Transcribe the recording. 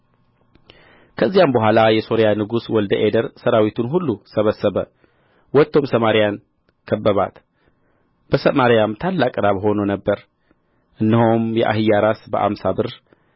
ከዚያም በኋላ የሶርያ ንጉሥ ወልደ አዴር ሠራዊቱን ሁሉ ሰበሰበ ወጥቶም ሰማርያን ከበባት በሰማርያም ታላቅ ራብ ሆኖ ነበር እነሆም የአህያ ራስ በአምሳ ብር